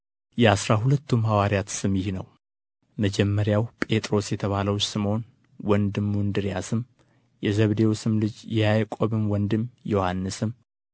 የአሥራ ሁለቱም ሐዋርያት ስም ይህ ነው መጀመሪያው ጴጥሮስ የተባለው ስምዖን ወንድሙ እንድርያስም የዘብዴዎስ ልጅ ያዕቆብም ወንድሙ ዮሐንስም